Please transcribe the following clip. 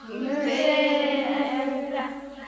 nse i ni wula